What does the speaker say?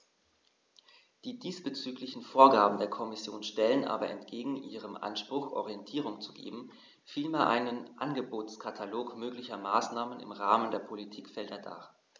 Die diesbezüglichen Vorgaben der Kommission stellen aber entgegen ihrem Anspruch, Orientierung zu geben, vielmehr einen Angebotskatalog möglicher Maßnahmen im Rahmen der Politikfelder dar.